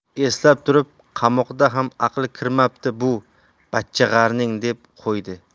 eslab turib qamoqda ham aqli kirmabdi bu bachchag'arning deb qo'ydi